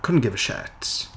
Couldn't give a shit.